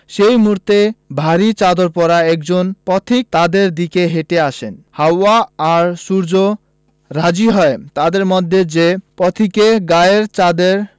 সেই মুহূর্তে ভারি চাদর পরা একজন পথিক তাদের দিকে হেটে আসেন হাওয়া আর সূর্য রাজি হয় তাদের মধ্যে যে পথিকে গায়ের চাদর